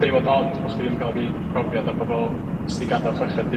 deimlad od bo' chdi'm ga'l yr un profiad â'r pobol sy 'di gadal chweched, 'di